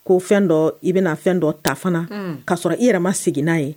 Ko fɛn dɔ i bɛna fɛn dɔ ta fana k'a sɔrɔ irama seginna n'a ye